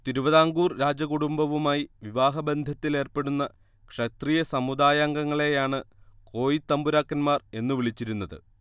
തിരുവിതാംകൂർ രാജകുടുംബവുമായി വിവാഹബന്ധത്തിലേർപ്പെടുന്ന ക്ഷത്രിയ സമുദായാംഗങ്ങളെയാണ് കോയിത്തമ്പുരാക്കന്മാർ എന്നു വിളിച്ചിരുന്നത്